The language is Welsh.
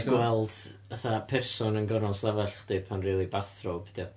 Gweld fatha person yn gornel stafell chdi pan rili bathrobe 'di o.